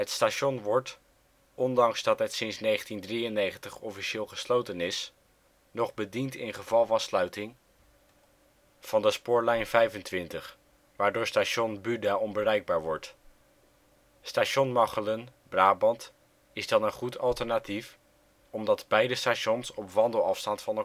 station wordt, ondanks dat het sinds 1993 officieel gesloten is, nog bediend in geval van sluiting van de spoorlijn 25, waardoor Station Buda onbereikbaar wordt. Station Machelen (Brabant) is dan een goed alternatief, omdat beide stations op wandelafstand van